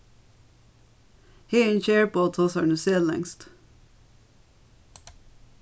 heðin kjærbo tosar nýsælendskt